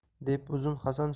deb uzun hasan